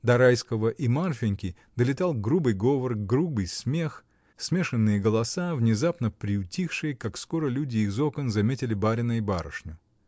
До Райского и Марфиньки долетал грубый говор, грубый смех, смешанные голоса, внезапно приутихшие, как скоро люди из окон заметили барина и барышню.